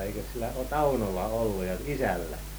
eikös sillä - Taunolla ollut ja isällä